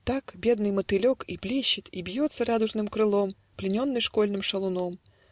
Так бедный мотылек и блещет И бьется радужным крылом, Плененный школьным шалуном